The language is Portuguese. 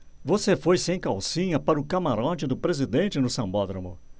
você foi sem calcinha para o camarote do presidente no sambódromo